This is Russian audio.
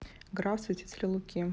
граф святителя луки